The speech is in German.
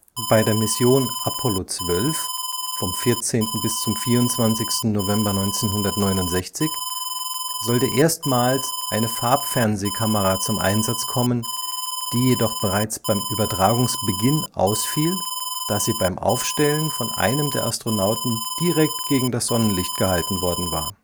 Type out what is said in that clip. Bei der Mission Apollo 12 (14. – 24. November 1969) sollte erstmals eine Farbfernsehkamera zum Einsatz kommen, die jedoch bereits beim Übertragungsbeginn ausfiel, da sie beim Aufstellen von einem der Astronauten direkt gegen das Sonnenlicht gehalten worden war